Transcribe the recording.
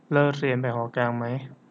เลิกเรียนไปหอกลางมั้ย